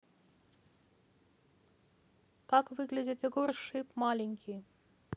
как выглядит егор шип маленький